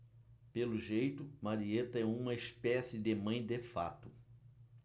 pelo jeito marieta é uma espécie de mãe de fato